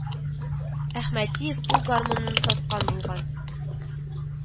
Әхмәдиев ул гармунын саткан булган